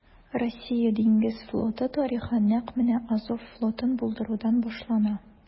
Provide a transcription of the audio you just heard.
Россия диңгез флоты тарихы нәкъ менә Азов флотын булдырудан башлана.